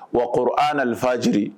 Wa anfa jiri